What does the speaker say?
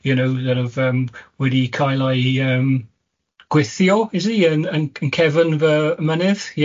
you know, that I've, yym, wedi cael ei yym, gweithio, is he? Yn yn yn cefn fy ymennydd, ie?